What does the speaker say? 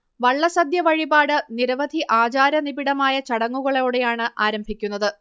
വള്ളസദ്യ വഴിപാട് നിരവധി ആചാര നിബിഡമായ ചടങ്ങുകളോടെയാണ് ആരംഭിക്കുന്നത്